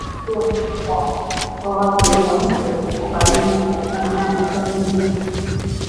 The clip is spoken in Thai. ส่วนอยู่จ้ะ เพราะว่าเห็นแล้วมันเกิดอบายมุข อยากได้นั่นอยากได้นี่